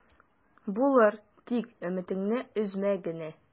Булыр, тик өметеңне өзмә генә...